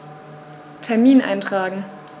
Termin eintragen